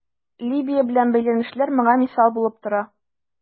Либия белән бәйләнешләр моңа мисал булып тора.